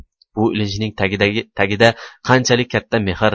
bu ilinjning tagida qanchalik katta mehr